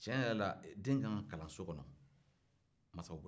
tiɲɛ yɛrɛla den ka kan ka kalan so kɔnɔ maasaw bolo